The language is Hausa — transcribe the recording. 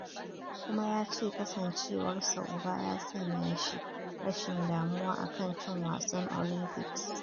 Kuma yace kasancewarsa uba ya sanya shi rashin damuwa akan cin wasan Olympics.